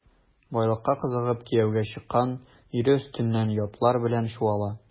Байлыкка кызыгып кияүгә чыккан, ире өстеннән ятлар белән чуала.